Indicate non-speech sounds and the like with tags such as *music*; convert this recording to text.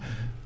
*hesitation* *hesitation*